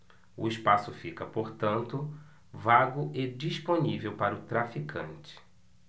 o espaço fica portanto vago e disponível para o traficante